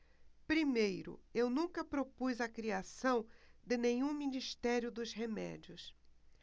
primeiro eu nunca propus a criação de nenhum ministério dos remédios